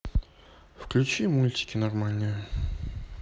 включи мультики нормальные